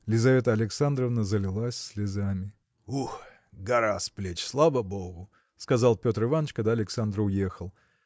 Лизавета Александровна залилась слезами. – Ух! гора с плеч, слава богу! – сказал Петр Иваныч когда Александр уехал